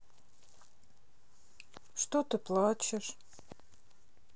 что ты че плачешь